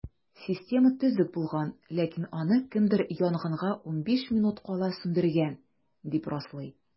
Система төзек булган, ләкин аны кемдер янгынга 15 минут кала сүндергән, дип раслый.